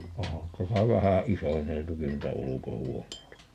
onhan tässä vähän isonneltukin noita ulkohuoneita